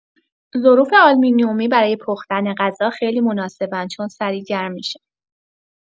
ظروف آلومینیومی برای پختن غذا خیلی مناسبن چون سریع گرم می‌شن.